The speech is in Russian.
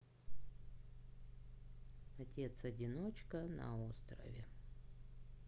отец одиночка на острове